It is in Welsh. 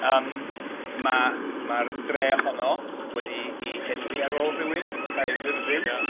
Ymm mae... mae'r dre honno wedi ei henwi ar ôl rhywun, Caerfyrddin.